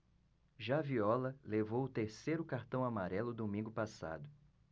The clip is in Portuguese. já viola levou o terceiro cartão amarelo domingo passado